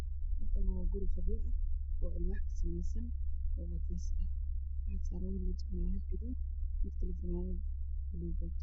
Halkan waa guri qabyo ah oo alwax kasameysan oo cades ah waxasaran labo wlll watan fananad gadud io balug